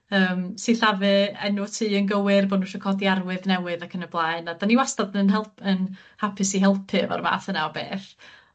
yym sillafu enw y tŷ yn gywir, bo' nw isio codi arwydd newydd ac yn y blaen, a 'dan ni wastad yn help- yn hapus i helpu efo'r fath yna o beth.